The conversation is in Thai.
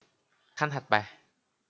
ขั้นถัดไป